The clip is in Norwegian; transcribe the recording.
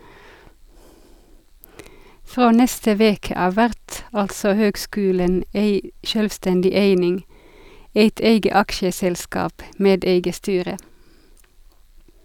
Frå neste veke av vert altså høgskulen ei sjølvstendig eining, eit eige aksjeselskap med eige styre.